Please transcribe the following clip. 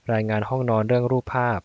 รายงานห้องนอนเรื่องรูปภาพ